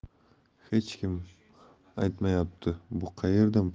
hech kim aytmayapti bu qayerdan